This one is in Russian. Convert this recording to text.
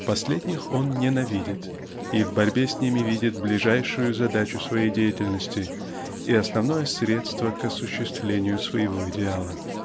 последних он ненавидит и в борьбе с ними видит ближайшую задачу своей деятельности и основное средство к осуществлению своего идеала.